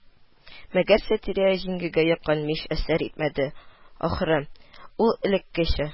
Мәгәр Сатирә җиңгигә яккан мич әсәр итмәде, ахры, ул элеккечә: